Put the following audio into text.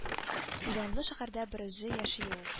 Миллионлы шәһәрдә берүзе яши ул.